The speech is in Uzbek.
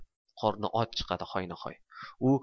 qorni och chiqadi hoynahoy